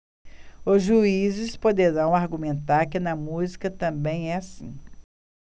os juízes poderão argumentar que na música também é assim